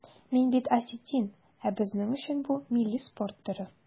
Мин бит осетин, ә безнең өчен бу милли спорт төре.